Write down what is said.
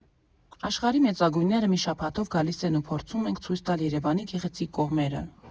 Աշխարհի մեծագույնները մի շաբաթով գալիս են ու փորձում ենք ցույց տալ Երևանի գեղեցիկ կողմերը։